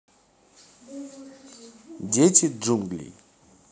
дети джунглей